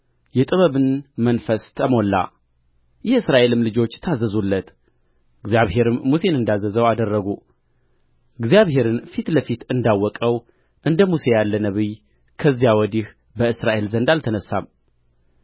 የጥበብን መንፈስ ተሞላ የእስራኤልም ልጆች ታዘዙለት እግዚአብሔርም ሙሴን እንዳዘዘው አደረጉ እግዚአብሔርን ፊት ለፊት እንዳወቀው እንደ ሙሴ ያለ ነቢይ ከዚያ ወዲህ በእስራኤል ዘንድ አልተነሣም